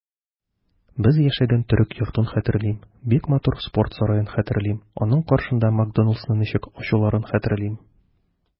Без яшәгән төрек йортын хәтерлим, бик матур спорт сараен хәтерлим, аның каршында "Макдоналдс"ны ничек ачуларын хәтерлим.